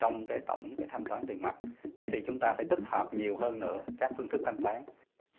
trong cái tổng cái thanh toán tiền mặt vậy thì chúng ta phải tích hợp nhiều hơn nữa các phương thức thanh toán